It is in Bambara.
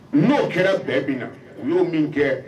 N'o kɛra bɛɛ bin na u y'o min kɛ